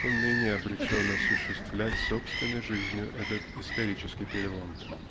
кто ныне обречен осуществлять собственной жизнью этот исторический перелом.